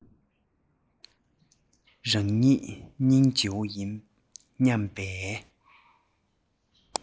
རང ཉིད སྙིང རྗེ བོ ཡིན སྙམ པའི